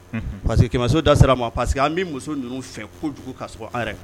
Hun; Parce que Kɛmɛso da sera ma parce que an bɛ muso ninnu fɛ kojugu ka tɛmɛ ka an yɛrɛ kan.